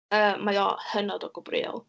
Yy, mae o hynod o gwobrwyol.